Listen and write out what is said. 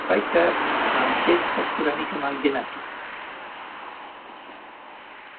Reit te wnâi byth ysgrifennu Cymraeg dim eto.